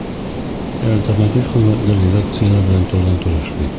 Ә альтернатив хезмәтләр редакцияләр белән турыдан-туры эшли.